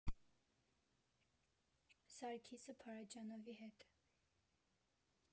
Սարգիսը Փարաջանովի հետ։